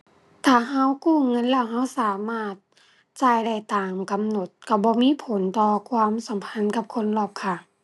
ถ้าเรากู้เงินแล้วเราสามารถจ่ายได้ตามกำหนดเราบ่มีผลต่อความสัมพันธ์กับคนรอบข้าง